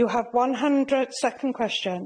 You have one hundred second question.